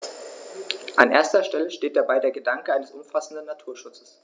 An erster Stelle steht dabei der Gedanke eines umfassenden Naturschutzes.